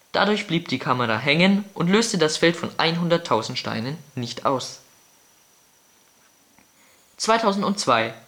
Dadurch blieb die Kamera hängen und löste das Feld von 100.000 Steinen nicht aus. 2002